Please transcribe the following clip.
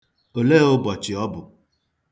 Olee ụbọchị ọ bụ?